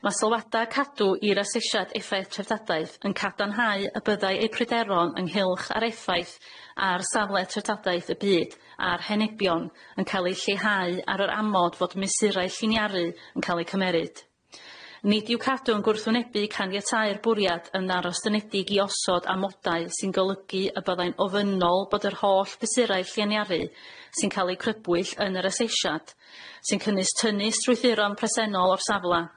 Ma' sylwada cadw i'r asesiad effaith treftadaeth yn cadarnhau y byddai eu pryderon ynghylch ar effaith a'r safle treftadaeth y byd a'r henebion yn ca'l eu lleihau ar yr amod fod mesurau lliniaru yn ca'l eu cymeryd. Nid i'w cadw yn gwrthwynebu caniatáu'r bwriad yn arostynedig i osod amodau sy'n golygu y byddai'n ofynnol bod yr holl fesurau llieniaru sy'n ca'l eu crybwyll yn yr asesiad sy'n cynwys tynnu strwythuron presennol o'r safle.